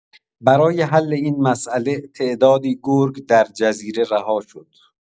برای حل این مساله تعدادی گرگ در جزیره رها شد.